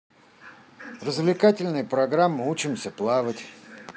развлекательная программа учимся плавать